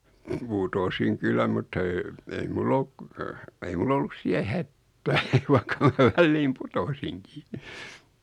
putosin kyllä mutta ei ei minulla ollut ei minulla ollut siellä hätää vaikka minä väliin putosinkin